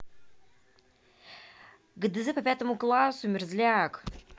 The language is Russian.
гдз по пятому классу мерзляк